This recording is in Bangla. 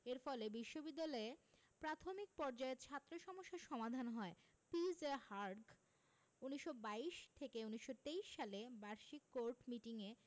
এর ফলে বিশ্ববিদ্যালয়ে প্রাথমিক পর্যায়ে ছাত্র সমস্যার সমাধান হয় পি.জে হার্টগ ১৯২২ থেকে ১৯২৩ সালে বার্ষিক কোর্ট মিটিং এ